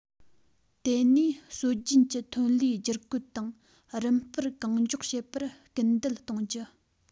དེ ནས སྲོལ རྒྱུན གྱི ཐོན ལས བསྒྱུར བཀོད དང རིམ སྤར གང མགྱོགས བྱེད པར སྐུལ འདེད གཏོང རྒྱུ